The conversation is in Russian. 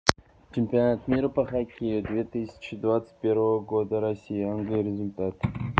чемпионат мира по хоккею две тысячи двадцать первого года россия англия результат